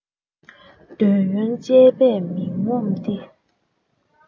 འདོད ཡོན སྤྱད པས མི ངོམས ཏེ